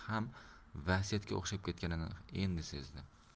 ham vasiyatga o'xshab ketganini endi sezdi